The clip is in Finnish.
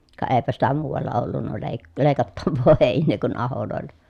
ka eipä sitä muualla ollut - leikattavaa heinää kuin ahoilla